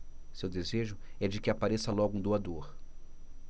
seu desejo é de que apareça logo um doador